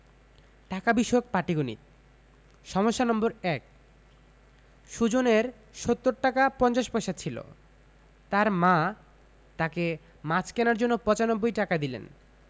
টাকা বিষয়ক পাটিগনিতঃ সমস্যা নম্বর ১ সুজনের ৭০ টাকা ৫০ পয়সা ছিল তার মা তাকে মাছ কেনার জন্য ৯৫ টাকা দিলেন